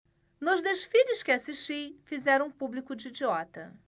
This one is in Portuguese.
nos desfiles que assisti fizeram o público de idiota